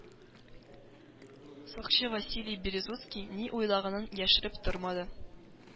Сакчы василий березуцкий ни уйлаганын яшереп тормады.